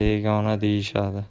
begona deyishadi